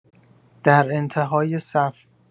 در انت‌های صف